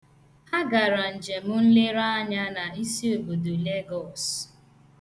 Ha gara njem nlereanya n'isiobodo Legọs.